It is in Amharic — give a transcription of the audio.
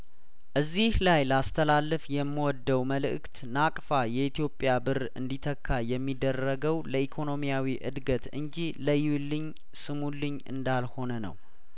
እዚህ ላይ ላስ ተላልፍ የም ወደው መልእክት ናቅፋ የኢትዮጵያ ብር እንዲተካ የሚደረገው ለኢኮኖሚያዊው እድገት እንጂ ለእዩልኝ ስሙልኝ እንዳልሆነ ነው